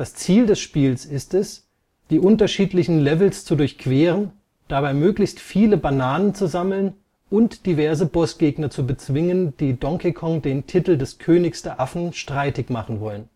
Ziel des Spiels ist es, die unterschiedlichen Levels zu durchqueren, dabei möglichst viele Bananen zu sammeln, und diverse Bossgegner zu bezwingen, die Donkey Kong den Titel des Königs der Affen streitig machen wollen